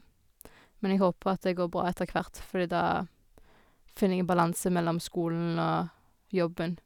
Men jeg håper at det går bra etter hvert, fordi da finner jeg en balanse mellom skolen og jobben.